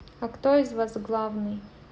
а кто из вас главный